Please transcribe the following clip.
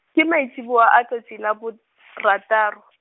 ke maitsiboa a tsatsi la bot- , rataro.